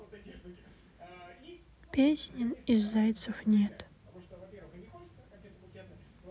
песни из зайцев нет